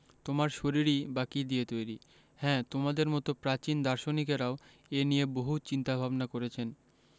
তোমার শরীরই বা কী দিয়ে তৈরি হ্যাঁ তোমাদের মতো প্রাচীন দার্শনিকেরাও এ নিয়ে বহু চিন্তা ভাবনা করেছেন